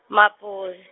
Mapuve .